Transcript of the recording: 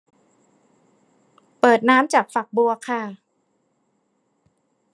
เปิดน้ำจากฝักบัวค่ะ